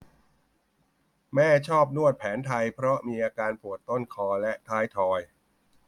แม่ชอบนวดแผนไทยเพราะมีอาการปวดต้นคอและท้ายทอย